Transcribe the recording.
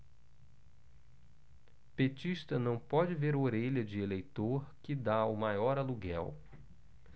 petista não pode ver orelha de eleitor que tá o maior aluguel